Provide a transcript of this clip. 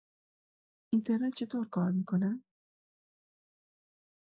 اینترنت چطور کار می‌کنه؟